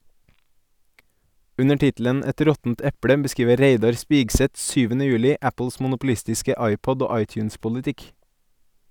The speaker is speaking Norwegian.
Under tittelen "Et råttent eple" beskriver Reidar Spigseth 7. juli Apples monopolistiske iPod- og iTunes-politikk.